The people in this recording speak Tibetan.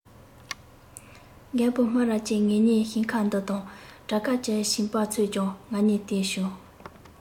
རྒད པོ སྨ ར ཅན ངེད གཉིས ཞིང ཁ འདི དང བྲལ སྐབས བྱིས པ ཚོས ཀྱང ང གཉིས དེད བྱུང